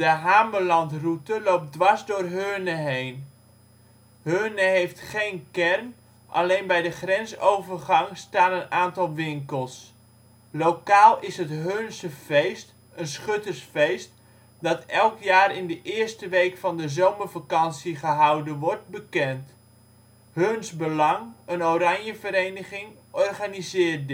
Hamelandroute loopt dwars door Heurne heen. Heurne heeft geen kern, alleen bij de grensovergang staan een aantal winkels. Lokaal is het Heurnse feest (een schuttersfeest) dat elk jaar in de 1e week van de zomervakantie gehouden wordt bekend. Heurns Belang (een oranjevereniging) organiseert